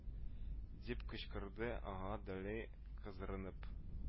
Дип кычкырды аңа долли, кызарынып